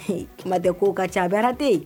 Kuma tɛ ko ka cabaa tɛ